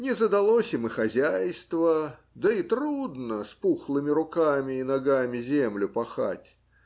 Не задалось им и хозяйство, да и трудно с пухлыми руками и ногами землю пахать.